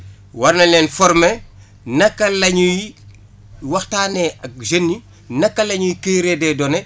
war nañ leen former naka la ñuy waxtaanee ak jeunes yi naka la ñuy cueillir des données